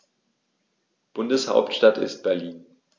Bundeshauptstadt ist Berlin.